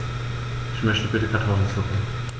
Ich möchte bitte Kartoffelsuppe.